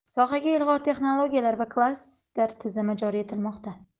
sohaga ilg'or texnologiyalar va klaster tizimi joriy etilmoqda